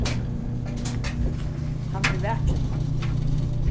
hann er vakin nú